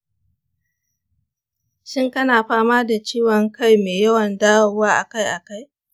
shin kana fama da ciwon kai mai yawan dawowa akai-akai?